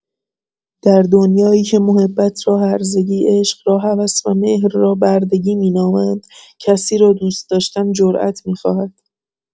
در دنیایی که محبت را هرزگی، عشق را هوس و مهر را بردگی می‌نامند، کسی را دوست‌داشتن جرات می‌خواهد!